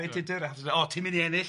...Tudur oherwydd ti'n mynd i ennill.